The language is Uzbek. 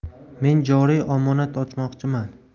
men joriy omonat ochmoqchiman